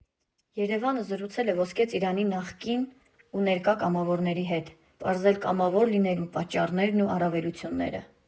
ԵՐԵՎԱՆԸ զրուցել է Ոսկե Ծիրանի նախկին ու ներկա կամավորների հետ, պարզել կամավոր լինելու պատճառներն ու առավելությունները։